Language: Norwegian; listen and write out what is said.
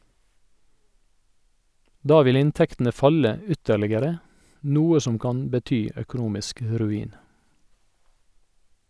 Da vil inntektene falle ytterligere, noe som kan bety økonomisk ruin.